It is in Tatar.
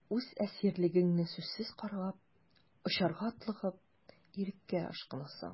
Үз әсирлегеңне сүзсез каргап, очарга атлыгып, иреккә ашкынасың...